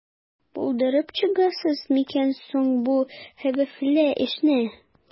Булдырып чыгарсыз микән соң бу хәвефле эшне?